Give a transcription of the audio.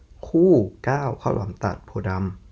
คู่เก้าข้าวหลามตัดโพธิ์ดำ